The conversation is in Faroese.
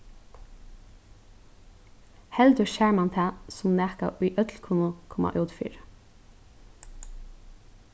heldur sær mann tað sum nakað ið øll kunnu koma út fyri